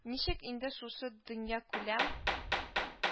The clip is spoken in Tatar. Ничек инде шушы дөньякүләм